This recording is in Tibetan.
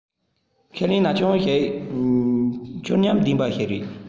ཁས ལེན ན ཅུང ཞིག མཆོར ཉམས ལྡན པ ཞིག དགོས